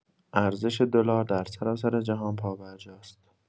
ارزش دلار در سراسر جهان پابرجاست.